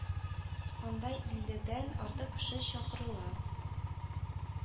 Анда илледән артык кеше чакырыла